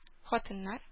Хатыннар